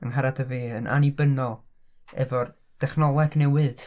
Angharad y fi yn annibynnol efo'r dechnoleg newydd.